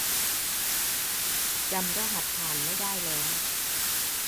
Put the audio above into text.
จำรหัสผ่านไม่ได้แล้ว